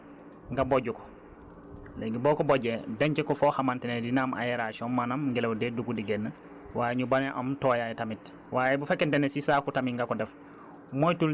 waaye boo ko bu owee ba pare dajale ko nga bojj ko léegi boo ko bojjee denc ko foo xamante ne dina am aération maanaam ngelaw day dugg di génn waaye ñu bañ a am tooyaay tamit